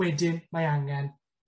wedyn mae angen